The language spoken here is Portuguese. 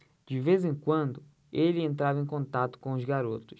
de vez em quando ele entrava em contato com os garotos